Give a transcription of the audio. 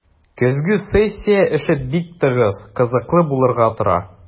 Көзге сессия эше бик тыгыз, кызыклы булырга тора.